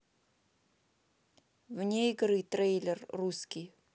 вне игры трейлер русский